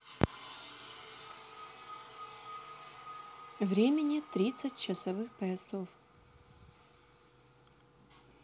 времени тринадцать часовых поясов